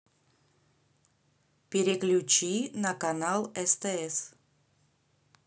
переключи на канал стс